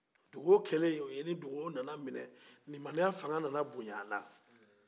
dugaw kɛlen o ye ni dugaw nana minɛ lemaniya fanga nana boɲa a la